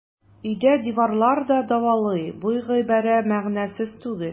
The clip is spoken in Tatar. Өйдә диварлар да дәвалый - бу гыйбарә мәгънәсез түгел.